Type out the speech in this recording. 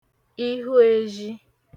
ịhụ ezhi